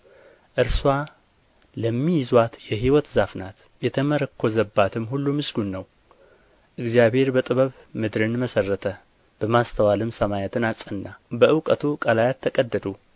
እርስዋ ለሚይዙአት የሕይወት ዛፍ ናት የተመረኰዘባትም ሁሉ ምስጉን ነው እግዚአብሔር በጥበብ ምድርን መሠረተ በማስተዋልም ሰማያትን አጸና በእውቀቱ ቀላያት ተቀደዱ